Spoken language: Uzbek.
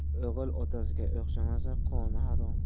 o'g'il otasiga o'xshamasa qoni harom